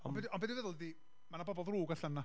Ond be dwi be dwi feddwl ydi, ma' 'na bobl ddrwg allan yna.